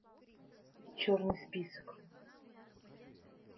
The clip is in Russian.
черный список